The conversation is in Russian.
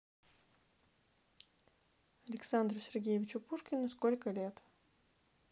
александру сергеевичу пушкину сколько лет